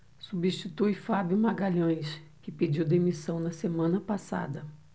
substitui fábio magalhães que pediu demissão na semana passada